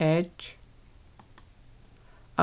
edge